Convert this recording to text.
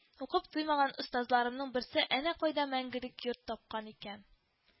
Укып туймаган остазларымның берсе әнә кайда мәңгелек йорт тапкан икән